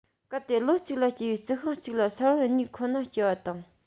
གལ ཏེ ལོ གཅིག ལ སྐྱེ པའི རྩི ཤིང གཅིག ལ ས བོན གཉིས ཁོ ན སྐྱེ པ དང